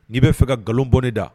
N'i bɛ fɛ ka nkalon bɔnen da